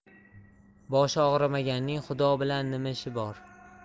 boshi og'rimaganning xudo bilan nima ishi bor